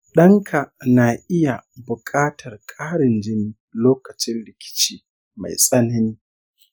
ɗanka na iya buƙatar ƙarin jini lokacin rikici mai tsanani.